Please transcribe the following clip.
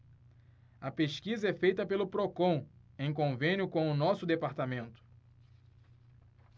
a pesquisa é feita pelo procon em convênio com o diese